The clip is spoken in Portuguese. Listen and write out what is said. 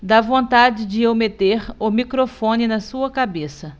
dá vontade de eu meter o microfone na sua cabeça